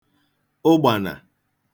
ụgbànà